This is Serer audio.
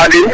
Khadim